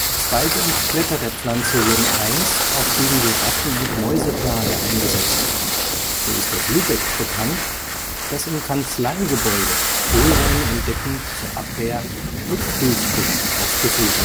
Zweige und Blätter der Pflanze wurden einst auch gegen die Ratten - und Mäuseplage eingesetzt. So ist aus Lübeck bekannt, dass im Kanzleigebäude Hohlräume in Decken zur Abwehr mit „ Hülsbusch “ausgefüllt